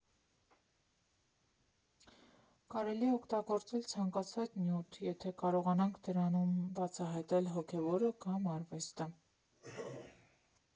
Կարելի է օգտագործել ցանկացած նյութ, եթե կարողանանք դրանում բացահայտել հոգևորը կամ արվեստը։